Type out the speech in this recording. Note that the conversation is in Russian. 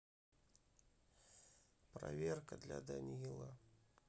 проверка для данила